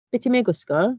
Be ti'n mynd i gwisgo?